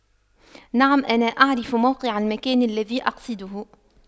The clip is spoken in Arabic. نعم انا اعرف موقع المكان الذي أقصده